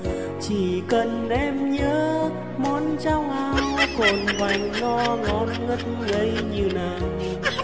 chỉ cần em nhớ món cháo ngao cồn vành nó ngon ngất ngây như nào